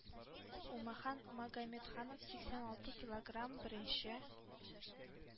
Умахан Магометханов сиксән алты киллограмм – беренче,